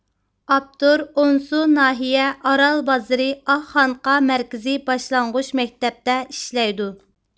ئاپتور ئونسۇ ناھىيە ئارال بازىرى ئاقخانقا مەركىزىي باشلانغۇچ مەكتەپتە ئىشلەيدۇ